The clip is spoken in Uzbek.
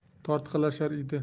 tortqilashar edi